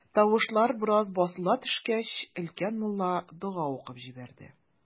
Тавышлар бераз басыла төшкәч, өлкән мулла дога укып җибәрде.